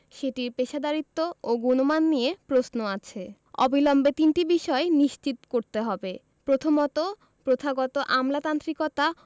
সেটির পেশাদারিত্ব ও গুণমান নিয়ে প্রশ্ন আছে অবিলম্বে তিনটি বিষয় নিশ্চিত করতে হবে প্রথমত প্রথাগত আমলাতান্ত্রিকতা